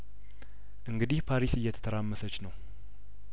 እንግዲህ ፓሪስ እየተተራመሰች ነው